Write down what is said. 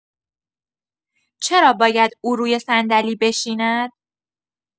چرا باید او روی صندلی بشیند؟